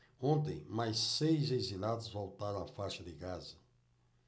ontem mais seis exilados voltaram à faixa de gaza